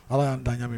Ala y'an ta ɲa min